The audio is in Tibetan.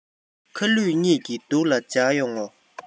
ཁ ལུས གཉིས ཀྱིས སྡུག ལ སྦྱར ཡོང ངོ